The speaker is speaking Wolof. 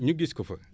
ñu gis ko fa